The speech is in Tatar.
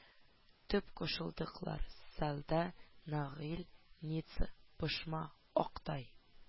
Төп кушылдыклар: Салда, нагил, Ница, Пышма, Актай